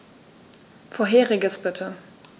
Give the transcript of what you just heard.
Vorheriges bitte.